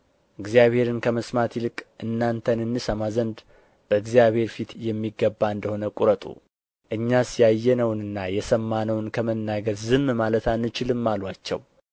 እግዚአብሔርን ከመስማት ይልቅ እናንተን እንሰማ ዘንድ በእግዚአብሔር ፊት የሚገባ እንደ ሆነ ቍረጡ እኛስ ያየነውንና የሰማነውን ከመናገር ዝም ማለት አንችልም አሉአቸው